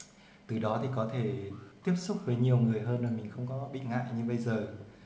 từ đó có thể tiếp xúc với nhiều người hơn và mình không bị ngại như bây giờ